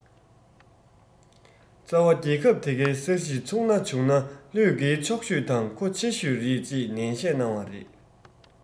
རྩ བ རྒྱལ ཁབ དེ གའི ས གཞིར ཚུགས ན བྱུང ན བློས འགེལ ཆོག ཤོས དང མཁོ ཆེ ཤོས རེད ཅེས ནན བཤད གནང བ རེད